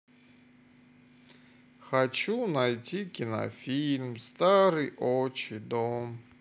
хочу найти кинофильм старый отчий дом